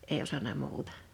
ei osannut muuta